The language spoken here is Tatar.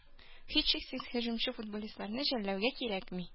Һичшиксез һөҗүмче футболистларны жәллэүгә кирәкми.